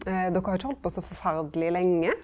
dokker har ikkje halde på så forferdeleg lenge?